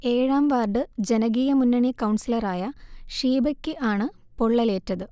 ഏഴാം വാർഡ് ജനകീയ മുന്നണി കൗൺസിലറായ ഷീബക്ക് ആണ് തീപൊള്ളലേറ്റത്